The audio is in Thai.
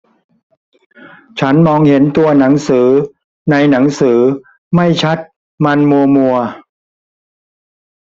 ฉันมองเห็นตัวหนังสือในหนังสือไม่ชัดมันมัวมัว